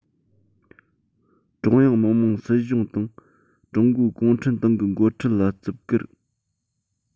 ཀྲུང དབྱང མི དམངས སྲིད གཞུང དང ཀྲུང གོའི གུང ཁྲན ཏང གི འགོ ཁྲིད ལ བརྩི བཀུར